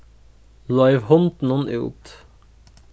loyv hundinum út